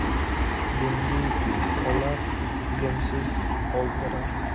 ilmli olar ilmsiz oldirar